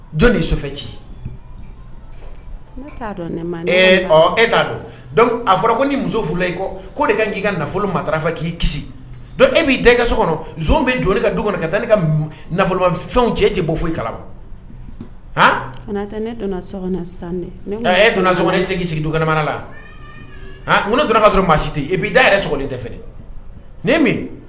Jɔn'i cia e t'a dɔn a fɔra ko ni muso furu ko de ka n'i ka nafolo ma k'i e b'i ka so kɔnɔ bɛ jɔ ka du kɔnɔ ka taa ne ka nafolofɛnw cɛ tɛ bɔ fo i kala ne donna so san dɛ e donna so tɛ k'i sigimana la u ne donna ka sɔrɔ maa si tɛ e b'i da yɛrɛ sogo tɛ fɛ n min